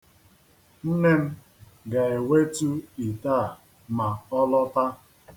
Nne m ga-ewetu ite a ma ọ lọta.